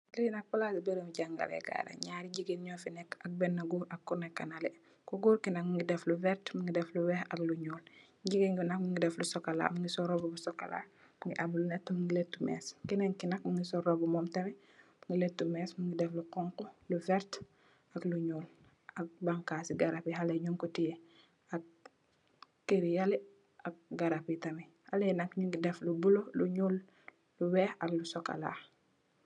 Fi nak palasi mberemi jàngale kay la, nyarri jigéen ño fa nekk ak bena góor ak ku nekka nëlè . Ku goor ki nak mungi def lu vert, mungi def lu weex ak lu ñuol. Jigéen bi nak, mingi def socola, mungi sol roba bu socola, mungi am lu nete mu latu mees. Kenen ki nak mungi sol robu mom tamit, latu mees, mungi def lu xonxu, lu vert ak lu ñuol. Ak banxasi garab yi xale yi ñuko tehe. Ak keer yale ak garapp yi timat, hale yi nak ñungi def lu bulo, lu ñuol, lu weex ak lu socola.